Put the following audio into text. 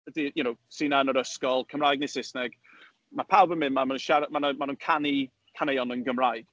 Ydy, you know... sy 'na yn yr ysgol, Cymraeg neu Saesneg, ma' pawb yn mynd 'ma, maen nhw'n siarad, maen nhw maen nhw'n canu caneuon yn Gymraeg.